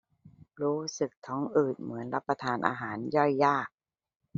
รู้สึกท้องอืดเหมือนรับประทานอาหารย่อยยาก